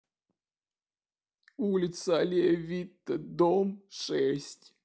улица аллея витте дом шесть